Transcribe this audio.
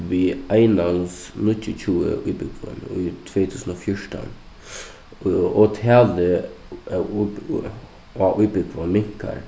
við einans níggjuogtjúgu íbúgvum í tvey túsund og fjúrtan og talið av á íbúgvum minkar